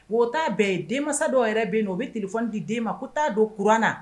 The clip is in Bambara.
W'o t'a bɛɛ ye , denmansa dɔw yɛrɛ bɛ yenninɔ u bɛ téléphone di den ma ko t'a don courant na